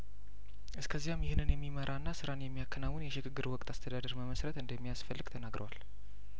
እስከዚያም ይህንን የሚመራና ስራን የሚያከናውን የሽግግር ወቅት አስተዳደር መመስረት እንደሚያስፈልግ ተናግሯል